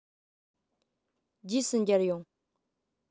རྗེས སུ མཇལ ཡོང